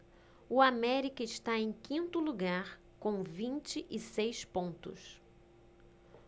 o américa está em quinto lugar com vinte e seis pontos